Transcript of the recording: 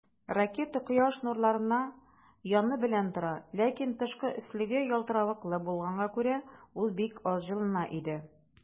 Ракета Кояш нурларына яны белән тора, ләкин тышкы өслеге ялтыравыклы булганга күрә, ул бик аз җылына иде.